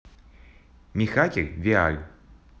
михакер виар